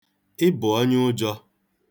Ị bụ onyeụjọ.